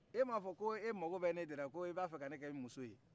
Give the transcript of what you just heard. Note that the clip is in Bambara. e m'a fɔ ko e mako bɛ ne de la ko i b'a fɛ ka ne k'i muso ye